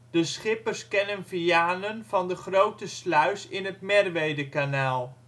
De schippers kennen Vianen van de grote sluis in het Merwedekanaal